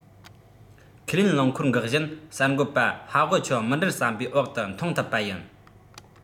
ཁས ལེན རླངས འཁོར འགག བཞིན གསར འགོད པ ཧྭ ཝུའེ ཆའོ མི འགྲུལ ཟམ པའི འོག ཏུ མཐོང ཐུབ པ ཡིན